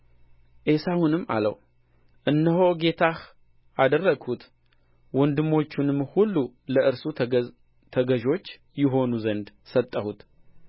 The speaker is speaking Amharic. ዔሳውንም አለው እነሆ ጌታህ አደረግሁት ወንድሞቹንም ሁሉ ለእርሱ ተገዦች ይሆኑ ዘንድ ሰጠሁት